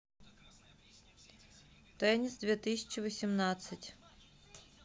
теннис две тысячи восемнадцать